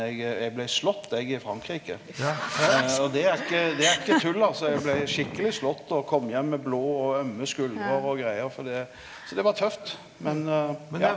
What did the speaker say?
eg eg blei slått eg i Frankrike og det er ikkje det er ikkje tull altså eg blei skikkeleg slått og kom heim med blå og ømme skuldrer og greier for det så det var tøft men ja.